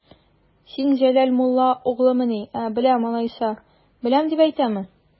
Син Җәләл мулла угълымыни, ә, беләм алайса, беләм дип әйтәме?